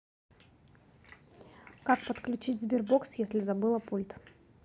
как подключить sberbox если забыла пульт